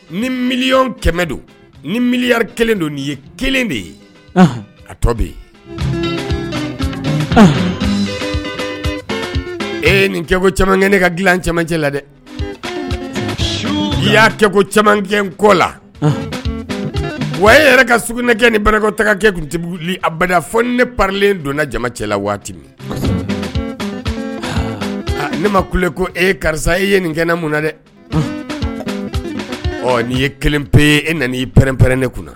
Ni miy kɛmɛ don ni miliyari kelen don nin ye kelen de ye a tɔ bɛ yen e nin kɛko camankɛ ne ka dila camancɛ la dɛ su i y'a kɛko camankɛ ko la wa e yɛrɛ ka sugunɛɛkɛ niɛkotaakɛ kun ti a ba fɔ ni ne plen donna jama cɛ la waati min ne ma kule ko e karisa e ye nin kɛ ne mun na dɛ ɔ n ye kelen pe ye e nana ii pɛrɛnprɛnɛ kunna na